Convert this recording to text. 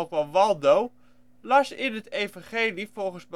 ook Waldo) las in het evangelie volgens